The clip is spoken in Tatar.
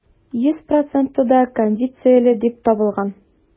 Йөз проценты да кондицияле дип табылган.